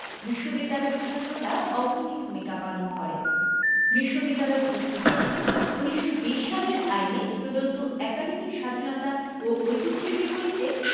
বিশ্ববিদ্যালয়ের ছাত্ররা অগ্রণী ভূমিকা পালন করে বিশ্ববিদ্যালয় কর্তৃপক্ষ ১৯২০ সালের আইনে প্রদত্ত একাডেমিক স্বাধীনতা ও ঐতিহ্যের বিপরীতে